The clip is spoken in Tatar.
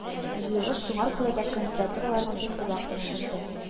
Җыелыш шуңар күрә дә кандидатураларны бик озак тикшерде